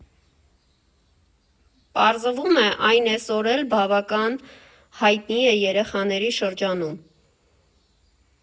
Պարզվում է՝ այն այսօր էլ բավական հայտնի է երեխաների շրջանում։